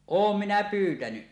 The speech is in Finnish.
olen minä pyytänyt